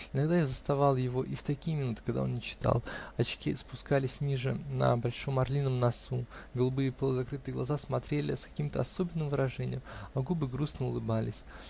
Иногда я заставал его и в такие минуты, когда он не читал: очки спускались ниже на большом орлином носу, голубые полузакрытые глаза смотрели с каким-то особенным выражением, а губы грустно улыбались.